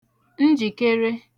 njìkere